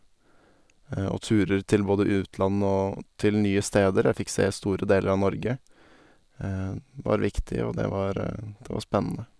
Og turer til både utland og til nye steder-- jeg fikk se store deler av Norge-- var viktig, og det var det var spennende.